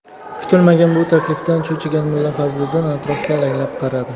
kutilmagan bu taklifdan cho'chigan mulla fazliddin atrofga alanglab qaradi